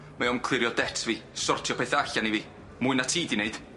Mae o'n clirio debt fi sortio pethe allan i fi mwy na ti 'di neud.